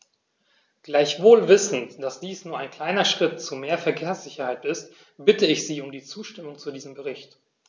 Gleichwohl wissend, dass dies nur ein kleiner Schritt zu mehr Verkehrssicherheit ist, bitte ich Sie um die Zustimmung zu diesem Bericht.